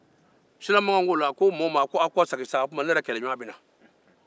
silamakan ko maaw ka segin k'ale kɛlɛɲɔgɔn bɛ na